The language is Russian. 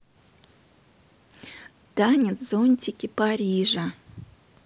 танец зонтики парижа